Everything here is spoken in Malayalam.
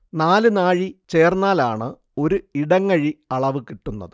നാല് നാഴി ചേർന്നാലാണ് ഒരു ഇടങ്ങഴി അളവ് കിട്ടുന്നത്